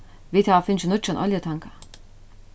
vit hava fingið nýggjan oljutanga